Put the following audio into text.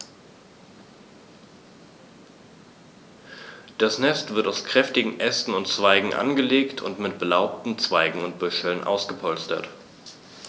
Das Nest wird aus kräftigen Ästen und Zweigen angelegt und mit belaubten Zweigen und Büscheln ausgepolstert.